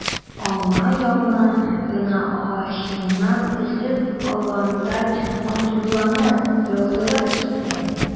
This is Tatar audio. Алма яңа гына агачыннан өзеп алгандай матурланып, ялтырап киткән.